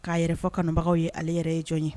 K'a yɛrɛ kanubagaw ye ale yɛrɛ ye jɔn ye